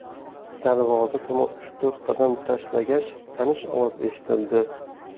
darvoza tomon uch to'rt qadam tashlagach tanish ovoz eshitildi